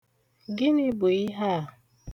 Gịnị bụ ihe a?